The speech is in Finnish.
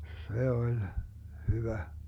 se oli hyvä